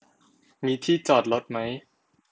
มีที่จอดรถไหม